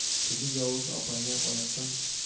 Теге явыз апайны аяктан